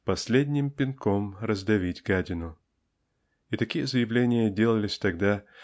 "последним пинком раздавить гадину". И такие заявления делались тогда